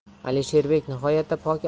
alisherbek nihoyatda pok